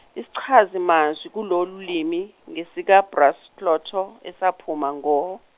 isichazi mazwi kulolu limi, ngesikaBrusclotho-, esaphuma ngo.